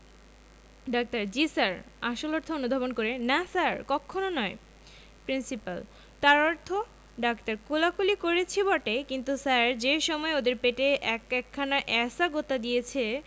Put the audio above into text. doctor জ্বী sir আসল অর্থ অনুধাবন করে না স্যার কক্ষণো নয় প্রিন্সিপাল তার অর্থ ডাক্তার কোলাকুলি করেছি বটে কিন্তু স্যার সে সময় ওদের পেটে এক একখানা এ্যায়সা গুঁতো দিয়েছে